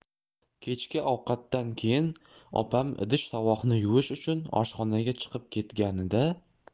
kechki ovqatdan keyin opam idish tovoqni yuvish uchun oshxonaga chiqib ketganida